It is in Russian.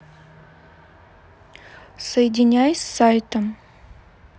соединяй с сайтом